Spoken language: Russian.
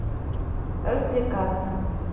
развлекаться